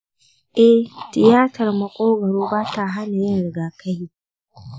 eh, tiyatar maƙogwaro ba ta hana yin rigakafi.